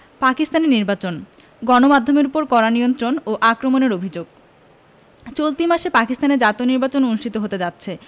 পাকিস্তানে নির্বাচন গণমাধ্যমের ওপর কড়া নিয়ন্ত্রণ ও আক্রমণের অভিযোগ চলতি মাসে পাকিস্তানে জাতীয় নির্বাচন অনুষ্ঠিত হতে যাচ্ছে